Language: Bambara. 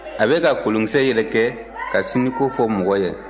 a bɛ ka kolonkisɛ yɛrɛkɛ ka sini kofɔ mɔgɔ ye